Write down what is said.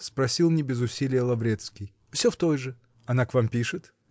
-- спросил не без усилия Лаврецкий. -- Все в той же. -- Она к вам пишет?